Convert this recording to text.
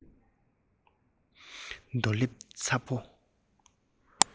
རྡོ ལེབ ཚ བོ